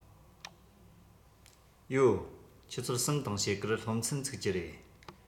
ཡོད ཆུ ཚོད གསུམ དང ཕྱེད ཀར སློབ ཚན ཚུགས ཀྱི རེད